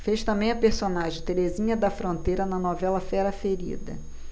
fez também a personagem terezinha da fronteira na novela fera ferida